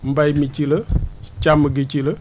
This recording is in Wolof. mbéy mi ci la càmm ji ci la